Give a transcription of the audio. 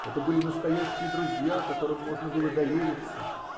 Это были настоящие друзья, которым можно было довериться.